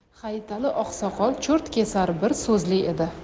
hayitali oqsoqol cho'rtkesar bir so'zli edi